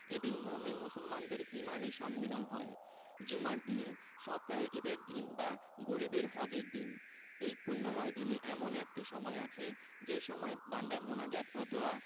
এদিন মোমিন মুসলমানদের ইমানি সম্মিলন হয় জুমার দিন সপ্তাহের ঈদের দিন বা গরিবের হজের দিন এ পুণ্যময় দিনে এমন একটি সময় আছে যে সময় বান্দার মোনাজাত ও দোয়া